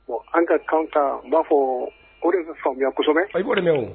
An ka kanw ta u b'a fɔ o de bɛ faamuya kosɛbɛ wa i bɛ o de mɛn o